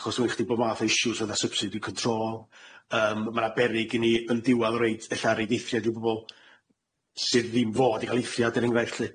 Achos we'n chdi bo' math o issues fatha subsidi control yym ma' na beryg i ni yn diwadd reit ella reid eithiad i pobol sydd ddim fod i ca'l eithriad er enghraifft lly.